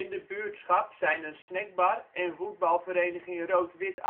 de buurtschap zijn een snackbar en voetbalvereniging Rood Wit